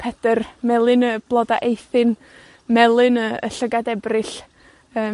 Pedyr, melyn y bloda Eithin, melyn y, y Llygad Ebrill. Yy.